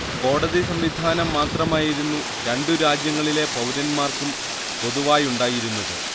കോടതി സംവിധാനം മാത്രമായിരുന്നു രണ്ടുരാജ്യങ്ങളിലെ പൗരന്മാർക്കും പൊതുവായുണ്ടായിരുന്നത്